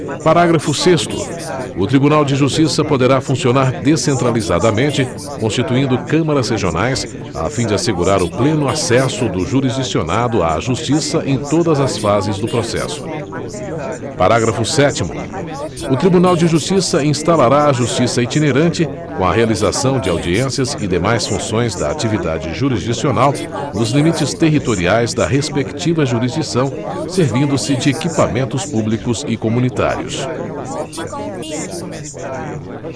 parágrafo sexto o tribunal de justiça poderá funcionar descentralizadamente constituindo câmaras regionais a fim de assegurar o pleno acesso do jurisdicionado à justiça em todas as fases do processo parágrafo sétimo o tribunal de justiça instalará a justiça itinerante com a realização de audiências e demais funções da atividade jurisdicional nos limites territoriais da respectiva jurisdição servindo se de equipamentos públicos e comunitários